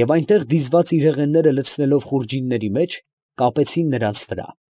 և այնտեղ դիզված իրեղենները լցնելով խուրջինների մեջ, կապեցին նրանց վրա։